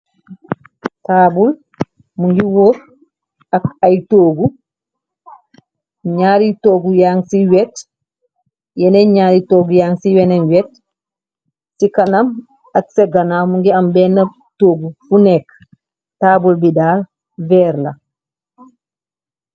Taabul mu ngi wóor ak ay tóogu ñaari toggu yang ci wet yeneen ñaari toggu yang ci weneen wett ci kanam ak segana mu ngi am benn tóogu bu nekk taabul bi daal veer la.